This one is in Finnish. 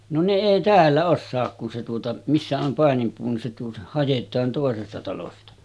no ne ei täällä osaa kun se tuota missä on paininpuu niin se tuota haetaan toisesta talosta